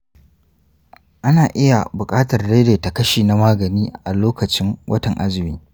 ana iya buƙatar daidaita kashi na magani a lokacin watan azumi.